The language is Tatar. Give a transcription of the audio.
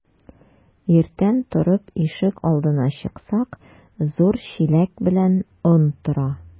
Иртән торып ишек алдына чыксак, зур чиләк белән он тора.